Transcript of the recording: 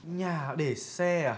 nhà để xe à